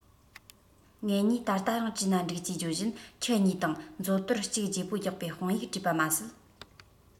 ངེད གཉིས ད ལྟ རང བྲིས ན འགྲིག ཅེས བརྗོད བཞིན ཁྱི གཉིས དང མཛོ དོར གཅིག བརྗེ པོ རྒྱག པའི དཔང ཡིག བྲིས པ མ ཟད